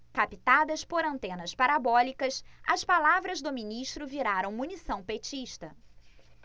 captadas por antenas parabólicas as palavras do ministro viraram munição petista